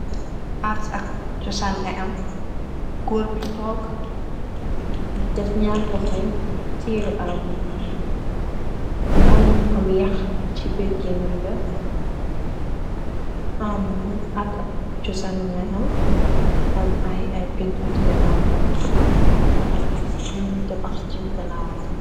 Arts ak cosan ngay am, góor bi toog def ñaar lu xoy téeri am nu, xane mini kom yax ci bir gemen ga, am at cosan ngay amm, y y pintu ci ganawamm, yuñu te bax ci ganawan.